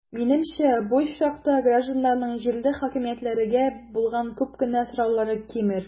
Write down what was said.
Минемчә, бу очракта гражданнарның җирле хакимиятләргә булган күп кенә сораулары кимер.